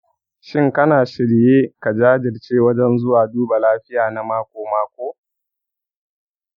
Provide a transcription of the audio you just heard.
shin kana shirye ka jajirce wajen zuwa duba lafiya na mako-mako?